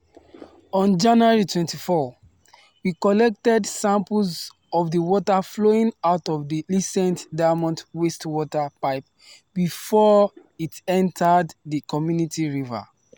On January 24, we collected samples of the water flowing out of the Letšeng Diamonds wastewater pipe before it entered the community river.